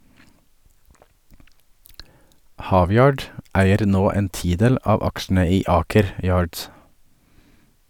Havyard eier nå en tidel av aksjene i Aker Yards.